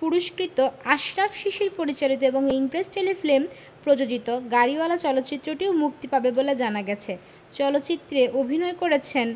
পুরস্কৃত আশরাফ শিশির পরিচালিত এবং ইমপ্রেস টেলিফিল্ম প্রযোজিত গাড়িওয়ালা চলচ্চিত্রটিও মুক্তি পাচ্ছে বলে জানা গেছে চলচ্চিত্রে অভিনয় করেছেন